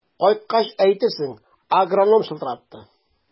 Кайткач әйтерсең, агроном чылтыратты.